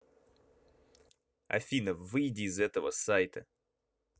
афина выйди из этого сайта